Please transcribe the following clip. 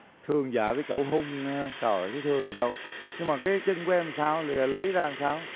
thương vợ cái chỗ hung ha trời thấy thương gì đâu nhưng mà cái chân em sao giờ lấy ra sao